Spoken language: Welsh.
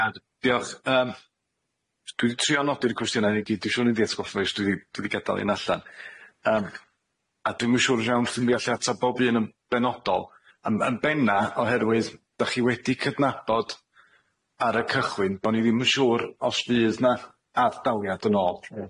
Iawn diolch, yym dwi di trio nodi'r cwestiyna i ni gyd, dwi siŵr o nei di atgoffa fi os dwi di dwi di gadal un allan. Yym a dwi'm yn siŵr iawn os dwi'n gallu atab bob un yn benodol, yn yn benna oherwydd dach chi wedi cydnabod ar y cychwyn bo' ni ddim yn siŵr os fydd 'na ardaliad yn ôl.